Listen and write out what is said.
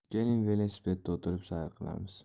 keling velosipedda o'tirib sayr qilamiz